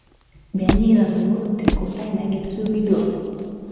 bé nhi là người mẫu yêu thích của tay máy nghiệp dư huy tưởng